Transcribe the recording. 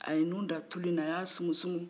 a ye nou da tulu in a y'a sumumu